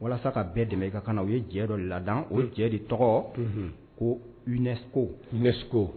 Walasa ka bɛɛ dɛmɛ i ka kan u ye jɛ dɔ la o jɛ de tɔgɔ koso